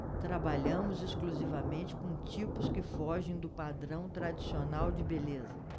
trabalhamos exclusivamente com tipos que fogem do padrão tradicional de beleza